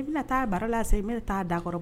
I bɛna taa baara lase i bɛna bɛ taa da kɔrɔ